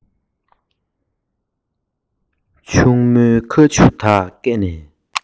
ཡང ཨ མས ཙི ཙིའི ཤ ཞིམ པོ ཡོད པའི སྐོར